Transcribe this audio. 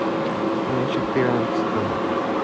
на четырнадцатого